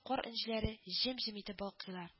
Кар энҗеләре җем-җем итеп балкыйлар